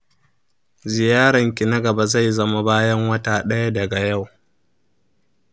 ziyaranki na gaba zai zama bayan wata ɗaya daga yau.